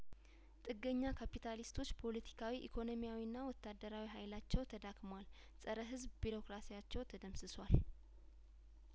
ጥገኛ ካፒታሊስቶች ፓለቲካዊ ኢኮኖሚያዊና ወታደራዊ ሀይላቸው ተዳክሟል ጸረ ህዝብ ቢሮክራሲ ያቸው ተደምስሷል